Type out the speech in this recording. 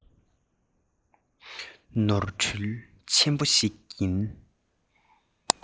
ནོར འཁྲུལ ཆེན པོ ཞིག ཡིན